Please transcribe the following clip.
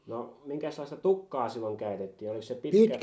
no minkäslaista tukkaa silloin käytettiin oliko se pitkä